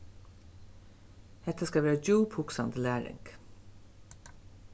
hetta skal vera djúphugsandi læring